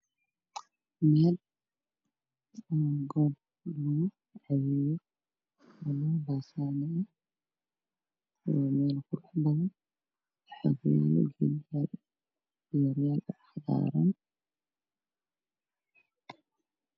Waa meel beer qurux badan waxaa iga muuqda geedo cayaaran kiisas iyo kura kuraaskoodu yihiin gu